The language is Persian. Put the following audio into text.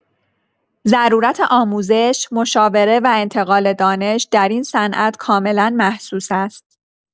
ضرورت آموزش، مشاوره و انتقال دانش در این صنعت کاملا محسوس است.